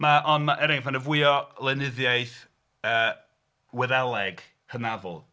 Mae.. ond mae... er enghraifft mae 'na fwy o lenyddiaeth yy Wyddeleg hynafol.